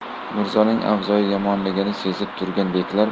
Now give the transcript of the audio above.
mirzoning avzoyi yomonligini sezib turgan